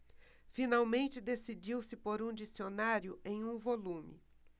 finalmente decidiu-se por um dicionário em um volume